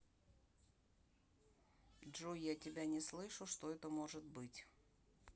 джой я тебя не слышу что это может быть